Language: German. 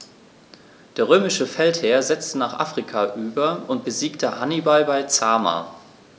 Der römische Feldherr setzte nach Afrika über und besiegte Hannibal bei Zama.